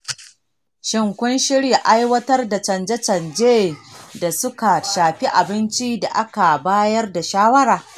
shin kun shirya aiwatar da canje-canjen da su ka shafi abinci da aka bayar da shawara?